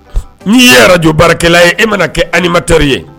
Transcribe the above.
N'i ye radio baarakɛla ye e mana kɛ animateur ye